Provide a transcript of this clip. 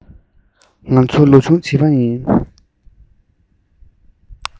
ང ཚོ ལོ ཆུང བྱིས པ ཡིན